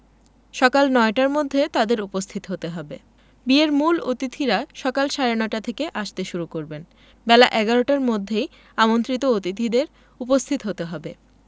সকাল নয়টার মধ্যে তাঁদের উপস্থিত হতে হবে বিয়ের মূল অতিথিরা সকাল সাড়ে নয়টা থেকে আসতে শুরু করবেন বেলা ১১টার মধ্যেই আমন্ত্রিত অতিথিদের উপস্থিত হতে হবে